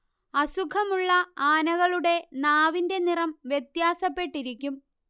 അസുഖം ഉള്ള ആനകളുടെ നാവിന്റെ നിറം വ്യത്യാസപ്പെട്ടിരിക്കും